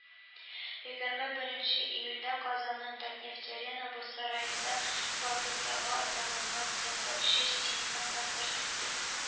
Егерме беренче июльдә Казанның "Татнефть-Арена" боз сараенда бар дөньяга танылган сәнгатьче Стингның концерты үтте.